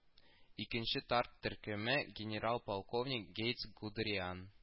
Икенче тарк төркеме генерал-полковник гейнц гудриан